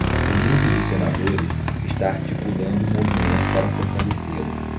um grupo de senadores está articulando um movimento para fortalecê-lo